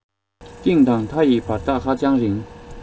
གཏིང དང མཐའ ཡི བར ཐག ཧ ཅང རིང